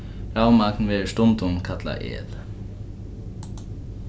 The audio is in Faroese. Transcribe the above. ravmagn verður stundum kallað el